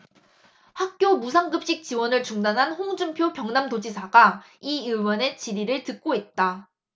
학교 무상급식 지원을 중단한 홍준표 경남도지사가 이 의원의 질의를 듣고 있다